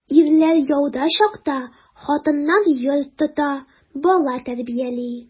Ирләр яуда чакта хатыннар йорт тота, бала тәрбияли.